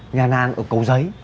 nhà nàng ở cầu giấy